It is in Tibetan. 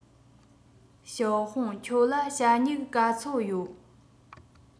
ཞའོ ཧུང ཁྱོད ལ ཞྭ སྨྱུག ག ཚོད ཡོད